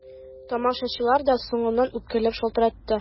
Тамашачылар да соңыннан үпкәләп шалтыратты.